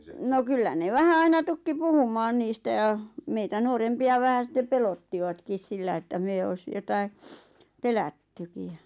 no kyllä ne vähän aina tukki puhumaan niistä ja meitä nuorempia vähän sitten pelottivatkin sillä että me olisi jotakin pelättykin ja